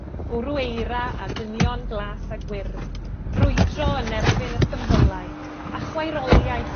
bwrw eira a dynion glas a gwyrdd, brwydro yn erbyn y symblau a chwaeroliaeth